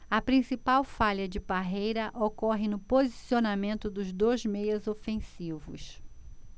a principal falha de parreira ocorre no posicionamento dos dois meias ofensivos